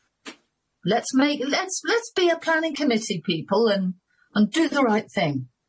So let's make let's let's be a planning committee people and and do the right thing.